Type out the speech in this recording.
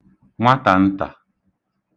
nwatàntà